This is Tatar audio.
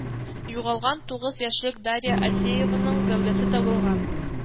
Югалган тугыз яшьлек дарья асееваның гәүдәсе табылган